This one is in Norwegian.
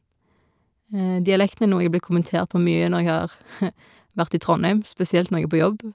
Dialekten er noe jeg er blitt kommentert på mye når jeg har vært i Trondheim, spesielt når jeg er på jobb.